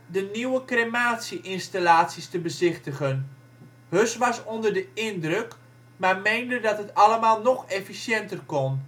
de nieuwe crematie-installaties te bezichtigen. Höss was onder de indruk, maar meende dat het allemaal nog efficiënter kon